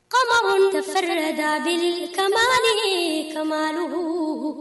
Kabakun terikɛ da kain kadugu